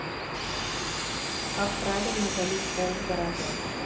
как правильно залить пол в гараже